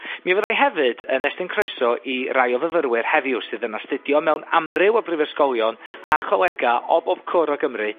mi fyddai hefyd yn estyn croeso i rai o fyfyrwyr heddiw sydd yn astudio mewn amryw o brifysgolion a cholega o bob cwr o Gymru